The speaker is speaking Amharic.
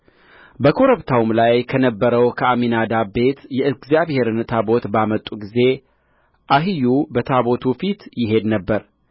በኮረብታውም ላይ ከነበረው ከአሚናዳብ ቤት የእግዚአብሔርን ታቦት ባመጡ ጊዜ አሒዮ በታቦቱ ፊት ይሄድ ነበር